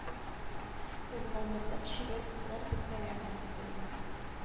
Урланырлык чибәр кызлар бетмәгәндер бит әле